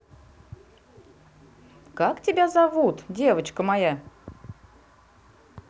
как тебя зовут девочка моя